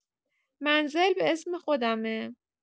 منزل به اسم خودمه.